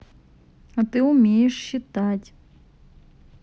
а ты умеешь считать